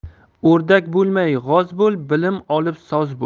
o'rdak bo'lmay g'oz bo'l bilim olib soz bo'l